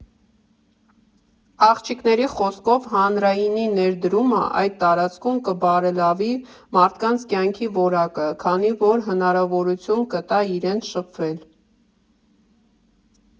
Աղջիկների խոսքով, հանրայինի ներդնումը այդ տարածքում կբարելավի մարդկանց կյանքի որակը, քանի որ հնարավորություն կտա իրենց շփվել։